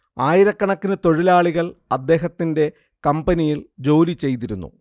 ആയിരക്കണക്കിനു തൊഴിലാളികൾ അദ്ദേഹത്തിന്റെ കമ്പനിയിൽ ജോലി ചെയ്തിരുന്നു